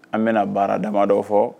An bɛna baara damadɔ fɔ